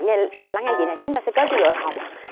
nghe lắng nghe chị nè chúng ta sẽ kết với đội hồng